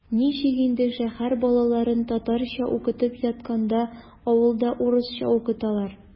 Ничек инде шәһәр балаларын татарча укытып ятканда авылда русча укыталар?!